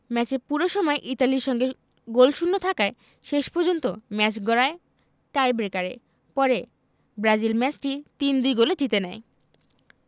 ম্যাচের পুরো সময় ইতালির সঙ্গে গোলশূন্য থাকায় শেষ পর্যন্ত ম্যাচ গড়ায় টাইব্রেকারে পরে ব্রাজিল ম্যাচটি ৩ ২ গোলে জিতে নেয়